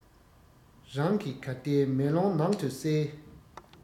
རང གིས གར བལྟས མེ ལོང ནང དུ གསལ